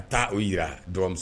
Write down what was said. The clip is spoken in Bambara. A ka taa o jira dɔgɔmuso